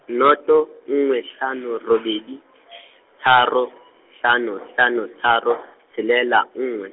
noto, nngwe hlano robedi, tharo , hlano hlano tharo, tshelela nngwe.